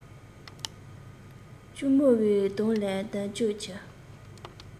གཅུང མོའི གདོང ལས ལྡབ འགྱུར གྱིས